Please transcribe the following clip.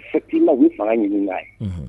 T'i la ye fanga ɲini'a ye